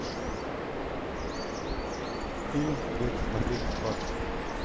фильм текст смотреть бесплатно